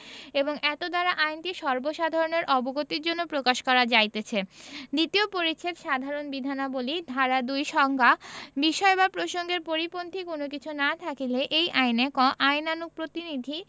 এবং এতদ্বারা আইনটি সর্বসাধারণের অবগতির জন্য প্রকাশ করা যাইতেছে দ্বিতীয় পরিচ্ছেদ সাধারণ বিধানাবলী ধারা ২ সংজ্ঞা বিষয় বা প্রসঙ্গের পরিপন্থী কোন কিছু না থাকিলে এই আইনে ক আইনানুগ প্রতিনিধি